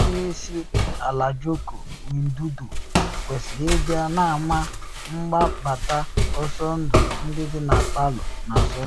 Onye Isi Ala Joko Widodo kwesịrị ịbịa n’ama mgbabata ọsọ ndụ ndị dị na Palu na Sọnde.